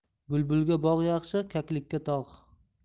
bulbulga bog' yaxshi kaklikka tog'